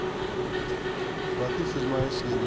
сваты седьмая серия